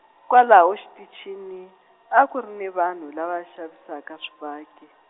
kwalaha xiticini, a ku ri ni vanhu lava xavisaka swifaki.